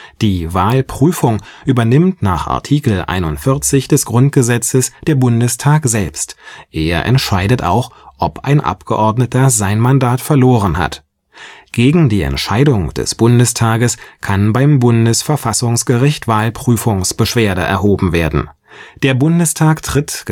Die Wahlprüfung übernimmt nach Art. 41 des Grundgesetzes der Bundestag selbst, er entscheidet auch, ob ein Abgeordneter sein Mandat verloren hat. Gegen die Entscheidung des Bundestages kann beim Bundesverfassungsgericht Wahlprüfungsbeschwerde erhoben werden. Der Bundestag tritt